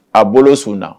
A bolo sun na